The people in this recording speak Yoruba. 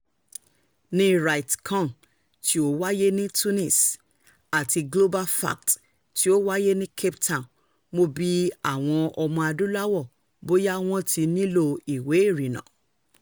Ní RightsCon tí ó wáyé ní Tunis, àti GlobalFact tí ó wáyé ní Cape Town, mo bi àwọn Ọmọ-adúláwọ̀ bóyá wọ́n ti nílòo ìwé ìrìnnà.